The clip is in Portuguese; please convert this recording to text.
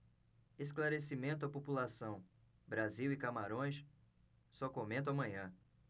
esclarecimento à população brasil e camarões só comento amanhã